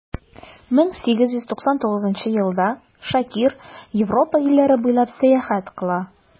1899 елда шакир европа илләре буйлап сәяхәт кыла.